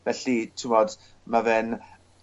felly t'mod ma' fe'n